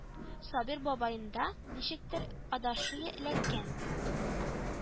Сабир бабаенда ничектер адашыя эләккән